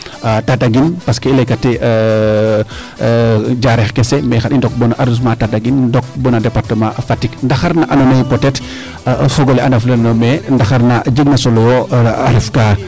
Tataguine parce que i leyka te Diarere kese mais xaa i ndoq boo na arrondissement Tataguine ndok bona Departement Fatick ndaxar na ando naye peut etre fogole anda fuliranoyo mais ndaxar na jeg na solo yo a ref kaa